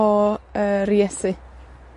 yr Iesu.